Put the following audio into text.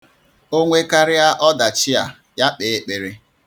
O nwekarịa ọdachi a, ya kpee ekpere.